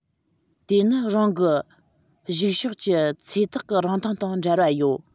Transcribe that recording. དེ ནི རང གི གཞུག ཕྱོགས ཀྱི ཚེ ཐག གི རིང ཐུང དང འབྲེལ བ ཡོད